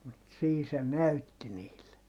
mutta siinä se näytti niille